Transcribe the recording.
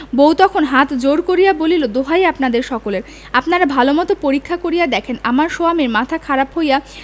বউ তখন হাত জোড় করিয়া বলিল দোহাই আপনাদের সকলের আপনারা ভালোমতো পরীক্ষা করিয়া দেখেন আমার সোয়ামীর মাথা খারাপ হইয়া